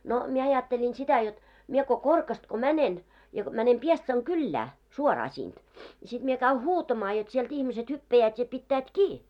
no minä ajattelin sitä jotta minä kun Korkasta kun menen ja menen Piestsan kylään suoraan sinne ja sitten minä käyn huutamaan jotta sieltä ihmiset hyppäävät ja pitävät kiinni